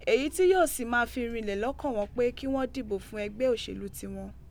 Eyi ti yoo si maa fi rinlẹ lọkan wọn pe ki wọn dibo fun ẹgbẹ oṣelu tiwọn.